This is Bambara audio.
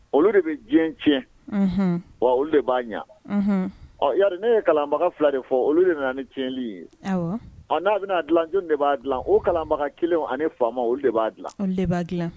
Olu de bɛ diɲɛ tiɲɛ wa olu de b'a ɲɛ yari ne ye kalanbaga fila de fɔ olu de ni tiɲɛnli ye n'a bɛna dilaj de b'a dila obaga kelen ani fa olu de b'a dila b'a dila